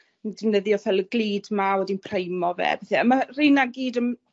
yn defnyddio fel y glud 'ma a wedyn primo fe a pethe a ma' rheina gyd yn